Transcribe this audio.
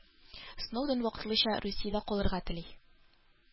Сноуден вакытлыча Русиядә калырга тели